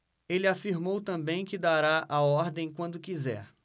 ele afirmou também que dará a ordem quando quiser